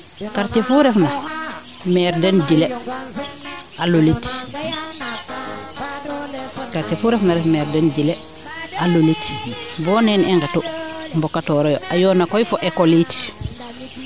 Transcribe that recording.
quartier fuu refna maire den jile a lulit quartier fuu refna ref maire den jile a lulit bo neen i ngetu mbokatooroyo a yoona koy fo ecole yit